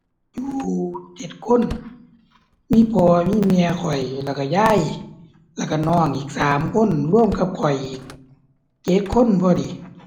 อยู่เจ็ดคน มีพ่อมีแม่ข้อย แล้วก็ยาย แล้วก็น้องอีกสามคนรวมกับข้อยอีก เจ็ดคนพอดี